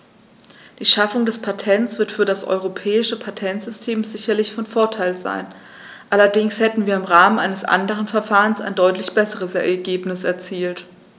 Die Schaffung des Patents wird für das europäische Patentsystem sicherlich von Vorteil sein, allerdings hätten wir im Rahmen eines anderen Verfahrens ein deutlich besseres Ergebnis erzielt.